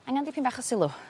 angan dipyn bach o sylw